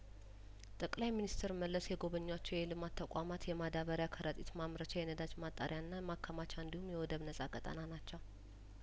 ጠቅላይ ሚኒስትር መለስ የጐበኟቸው የልማት ተቋማት የማዳበሪያ ከረጢት ማምረቻ የነዳጅ ማጣሪያና ማከማቻ እንዲሁም የወደብ ነጻ ቀጣና ናቸው